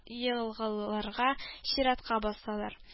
Елгылырарга чиратка басалар